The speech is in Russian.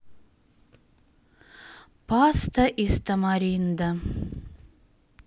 паста из тамаринда